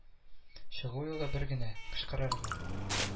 Чыгу юлы бер генә: кычкырырга